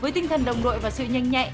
với tinh thần đồng đội và sự nhanh nhạy